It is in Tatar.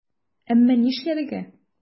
Әмма нишләргә?!